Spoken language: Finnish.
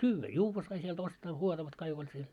syödä juoda sai sieltä ostaa juotavat kaikki oli siellä